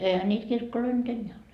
eihän niitä kirkkoja nyt enää ole